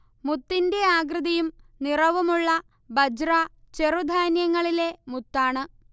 മുത്തിന്റെ ആകൃതിയും നിറവുമുള്ള ബജ്റ ചെറുധാന്യങ്ങളിലെ മുത്താണ്